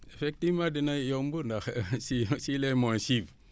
effectivement dina yomb ndax si si les moyens suivent